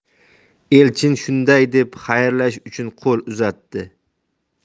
elchin shunday deb xayrlashish uchun qo'l uzatdi